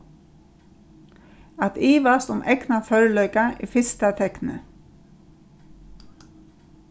at ivast um egnan førleika er fyrsta teknið